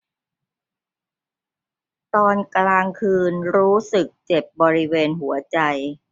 ตอนกลางคือรู้สึกเจ็บบริเวณหัวใจ